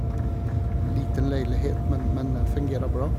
Liten leilighet, men men den fungerer bra.